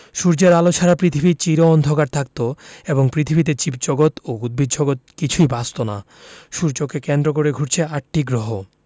সূর্যের আলো ছাড়া পৃথিবী চির অন্ধকার থাকত এবং পৃথিবীতে জীবজগত ও উদ্ভিদজগৎ কিছুই বাঁচত না সূর্যকে কেন্দ্র করে ঘুরছে আটটি গ্রহ